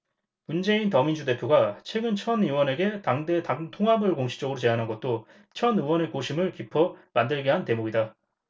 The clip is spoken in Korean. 문재인 더민주 대표가 최근 천 의원에게 당대 당 통합을 공식적으로 제안한 것도 천 의원의 고심을 깊어 만들게 한 대목이다